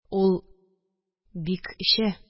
Ул бик эчә